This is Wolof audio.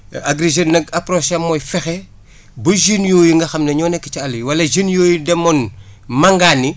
agri Jeunes nag approche am mooy fexe ba jeunes yu bëri yi nga xam ne ñoo nekk ci àll yi wala jeunes yooyu demoon màngaani